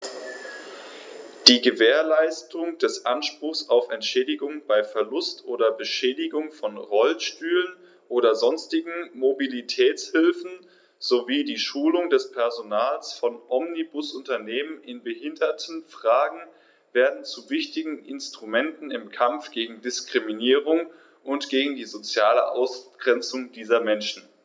Die Gewährleistung des Anspruchs auf Entschädigung bei Verlust oder Beschädigung von Rollstühlen oder sonstigen Mobilitätshilfen sowie die Schulung des Personals von Omnibusunternehmen in Behindertenfragen werden zu wichtigen Instrumenten im Kampf gegen Diskriminierung und gegen die soziale Ausgrenzung dieser Menschen.